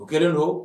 O kɛlen don